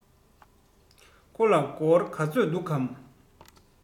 ཁོ ལ སྒོར ག ཚོད འདུག གམ